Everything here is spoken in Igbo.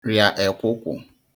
rịa ekwụ̀kwụ̀